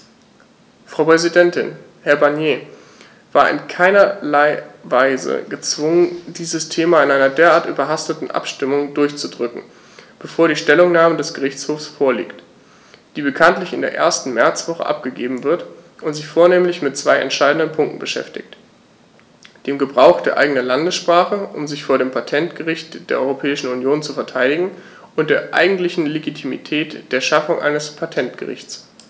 Frau Präsidentin, Herr Barnier war in keinerlei Weise gezwungen, dieses Thema in einer derart überhasteten Abstimmung durchzudrücken, bevor die Stellungnahme des Gerichtshofs vorliegt, die bekanntlich in der ersten Märzwoche abgegeben wird und sich vornehmlich mit zwei entscheidenden Punkten beschäftigt: dem Gebrauch der eigenen Landessprache, um sich vor dem Patentgericht der Europäischen Union zu verteidigen, und der eigentlichen Legitimität der Schaffung eines Patentgerichts.